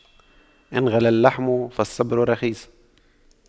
إن غلا اللحم فالصبر رخيص